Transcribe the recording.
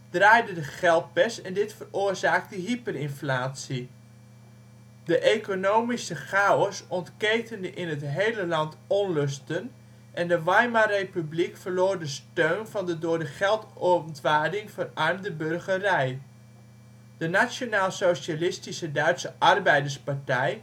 de stakingskas te vullen draaide de geldpers en dit veroorzaakte hyperinflatie. De economische chaos ontketende in het hele land onlusten en de Weimarrepubliek verloor de steun van de door de geldontwaarding verarmde burgerij. De Nationaalsocialistische Duitse Arbeiderspartij